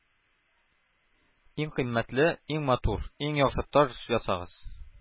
Иң кыйммәтле, иң матур, иң яхшы таҗ ясагыз,